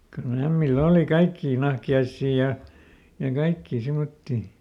kyllä ämmillä oli kaikkia nahkiaisia ja ja kaikkia semmoisia